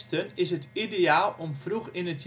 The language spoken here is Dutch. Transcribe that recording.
De grond in het